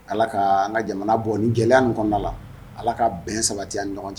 Ala ka an ka jamana bɔ ni gɛlɛya kɔnɔnada la ala ka bɛn sabati an ɲɔgɔn cɛ